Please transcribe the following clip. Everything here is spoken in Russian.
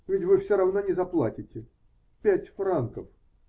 Ведь вы все равно не заплатите. Пять франков.